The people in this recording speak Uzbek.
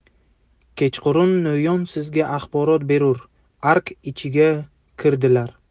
kechqurun no'yon sizga axborot berur ark ichiga kirdilar